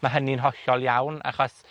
ma' hynny'n hollol iawn, achos